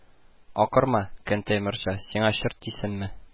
– акырма, кәнтәй марҗа, сиңа чорт тисенме